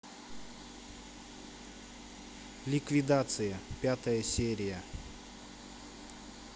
ликвидация пятая серия